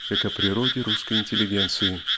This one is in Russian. как о природе русской интеллигенции